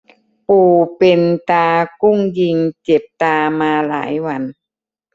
ปู่เป็นตากุ้งยิงเจ็บตามาหลายวัน